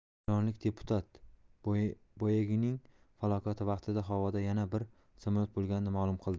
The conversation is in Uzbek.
eronlik deputat boeing'ning falokati vaqtida havoda yana bir samolyot bo'lganini ma'lum qildi